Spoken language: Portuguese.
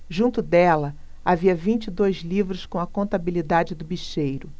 junto dela havia vinte e dois livros com a contabilidade do bicheiro